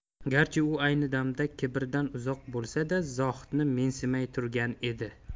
garchi u ayni damda kibrdan uzoq bo'lsa da zohidni mensimay turgan edi